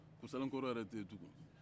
kurusalenkɔrɔ yɛrɛ tɛ yen tugun